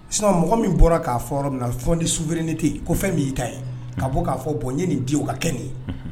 Mɔgɔ min bɔra k'a fɔ minna fdi suvrini tɛ yen ko fɛn b'i ta ye ka bɔ k'a fɔ bon n ye nin di ka kɛ nin ye